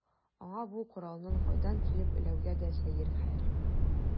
Аңа бу коралның кайдан килеп эләгүе дә сәер хәл.